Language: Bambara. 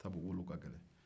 sabu wolo ka gɛlɛ